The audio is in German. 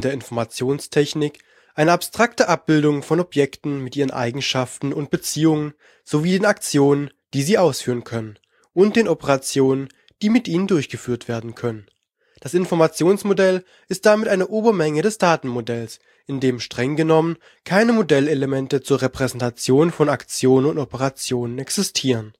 Informationstechnik eine abstrakte Abbildung von Objekten mit ihren Eigenschaften und Beziehungen sowie den Aktionen, die sie ausführen können, und den Operationen, die mit ihnen durchgeführt werden können. Das Informationsmodell ist damit eine Obermenge des Datenmodells, in dem (streng genommen) keine Modellelemente zur Repräsentation von Aktionen und Operationen existieren